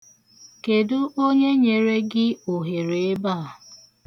Kedụ onye nyere gị ohere ebe a?